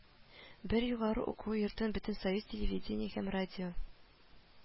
Бер югары уку йортын бөтенсоюз телевидение һәм радио